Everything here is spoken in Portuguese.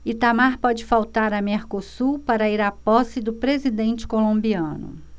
itamar pode faltar a mercosul para ir à posse do presidente colombiano